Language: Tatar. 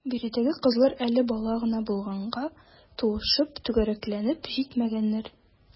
Биредәге кызлар әле бала гына булганга, тулышып, түгәрәкләнеп җитмәгәннәр.